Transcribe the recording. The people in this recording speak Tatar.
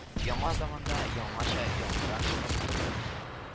Яңа заманда яңача яңгыраш тапты бугай